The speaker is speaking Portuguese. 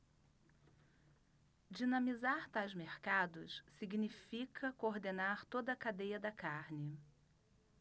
dinamizar tais mercados significa coordenar toda a cadeia da carne